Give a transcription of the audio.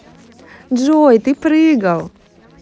джой ты прыгал